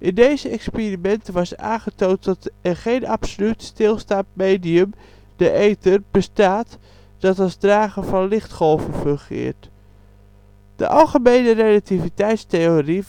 deze experimenten was aangetoond dat er geen absoluut stilstaand medium, de ether, bestaat, dat als drager van lichtgolven fungeert. De algemene relativiteitstheorie